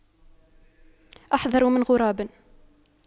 أحذر من غراب